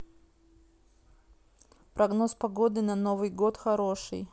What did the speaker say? прогноз погоды на новый год хороший